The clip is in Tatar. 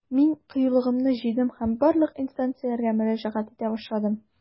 Мин кыюлыгымны җыйдым һәм барлык инстанцияләргә мөрәҗәгать итә башладым.